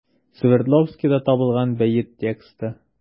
Свердловскида табылган бәет тексты.